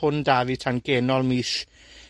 hwn'da fi tan genol mish